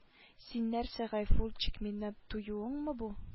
Син нәрсә гайфулчик миннән туюыңмы бу